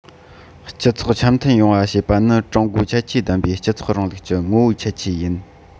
སྤྱི ཚོགས འཆམ མཐུན ཡོང བ བྱེད པ ནི ཀྲུང གོའི ཁྱད ཆོས ལྡན པའི སྤྱི ཚོགས རིང ལུགས ཀྱི ངོ བོའི ཁྱད ཆོས ཡིན